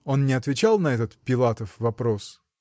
он не отвечал на этот Пилатов вопрос?